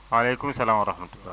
maaleykum salaam wa rahmatulah